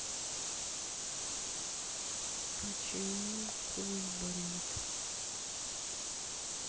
почему хуй болит